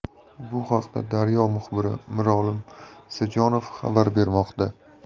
bu haqda daryo muxbiri mirolim isajonov xabar bermoqda